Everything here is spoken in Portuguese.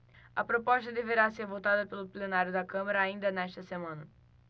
a proposta deverá ser votada pelo plenário da câmara ainda nesta semana